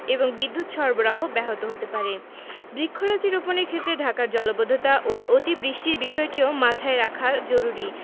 এবং বিদ্যুত সরবরাহ ব্যাহত হতে পারে বৃক্ষরাজি রোপণের ক্ষেত্রে ঢাকার জলাবদ্ধতা ও অতি বৃষ্টির বিষয়টিও মাথায় রাখা জরুরী